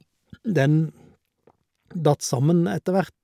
Den datt sammen etter hvert.